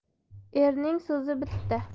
erning so'zi bitta